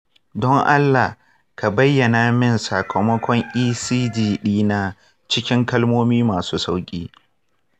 don allah ka bayyana min sakamakon ecg ɗina cikin kalmomi masu sauƙi.